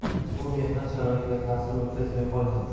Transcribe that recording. bu mehnat sharoitiga ta'sir o'tkazmay qolmaydi